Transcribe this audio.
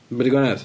Be 'di gwahaniaeth?